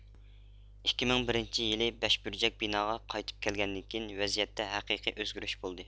ئىككى مىڭ بىرىنچى يىلى بەشبۈرجەك بىناغا قايتىپ كەلگەندىن كېيىن ۋەزىيەتتە ھەقىقىي ئۆزگىرىش بولدى